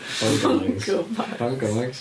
Bongo mags. Bongo mags. Bongo mags.